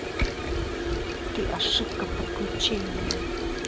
ты ошибка подключения